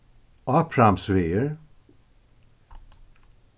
ápramsvegur